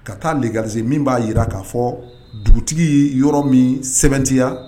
Ka taa legari min b'a jira k'a fɔ dugutigi yɔrɔ min sɛbɛntiya